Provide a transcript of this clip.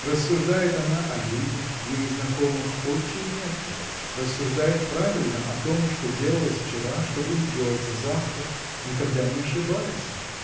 Рассуждает она о людях, ей знакомых, очень метко, рассуждает правильно о том, что делалось вчера, что будет делаться завтра, никогда не ошибается